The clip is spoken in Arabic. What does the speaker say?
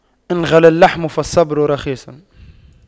إن غلا اللحم فالصبر رخيص